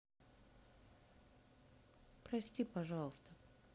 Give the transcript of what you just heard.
прости пожалуйста